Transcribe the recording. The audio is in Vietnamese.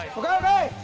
ô kê ô kê